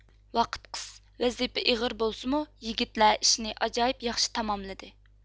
ۋاقىت قىس ۋەزىپە ئېغىر بولسىمۇ يىگىتلەر ئىشنى ئاجايىپ ياخشى تاماملىدى